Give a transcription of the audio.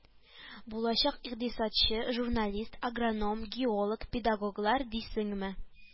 Булачак икътисадчы, журналист, агроном, геолог, педагоглар, дисеңме